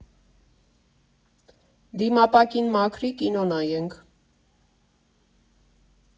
Դիմապակին մաքրի, կինո նայենք։